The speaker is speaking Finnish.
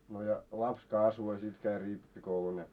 no ja lapsi kasvoi ja sitten kävi rippikoulun ja